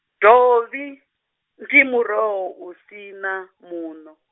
dovhi, ndi muroho u si na, muṋo.